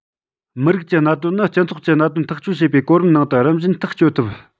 མི རིགས ཀྱི གནད དོན ནི སྤྱི ཚོགས ཀྱི གནད དོན ཐག གཅོད བྱེད པའི གོ རིམ ནང དུ རིམ བཞིན ཐག གཅོད ཐུབ